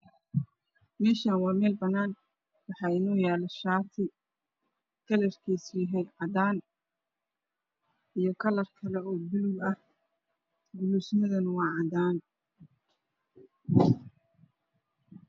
Meeshan waa meel banaan waxaa inoo yaalo shaati kalarkiisu yahay cadaan iyo kalarkaloo bulug bulug ah guluusmankana waa cadaan